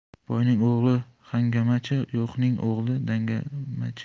boyning o'g'li hangamachi yo'qning o'g'li dangamachi